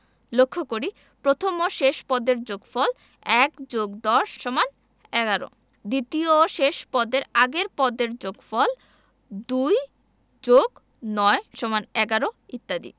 লক্ষ করি প্রথম ও শেষ পদের যোগফল ১+১০=১১ দ্বিতীয় ও শেষ পদের আগের পদের যোগফল ২+৯=১১ ইত্যাদি